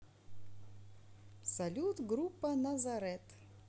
салют группа nazareth